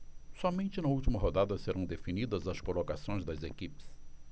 somente na última rodada serão definidas as colocações das equipes